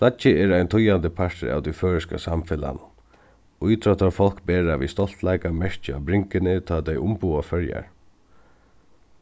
flaggið er ein týðandi partur av tí føroyska samfelagnum ítróttafólk bera við stoltleika merkið á bringuni tá tey umboða føroyar